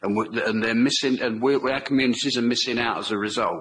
and w- and they're missing and we- our communities are missing out as a result.